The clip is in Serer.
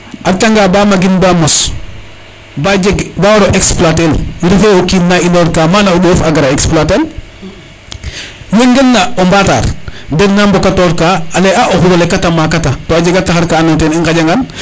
a reta nga ba magin ba mos ba jeg ba waro exploiter el refe ye o kiin mna inor ka mana o Mbof a gara exlploiter an we ngen na o mbatar dena mboka tor ka a leye a o xuro lene kat a maka ta to a jega taxar ka ando naye ten i ŋaƴa ngan